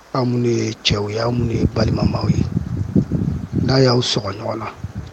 Anw minnu ye cɛ ye aw minnu ye balimama ye n'a y'aw sɔgɔ ɲɔgɔn na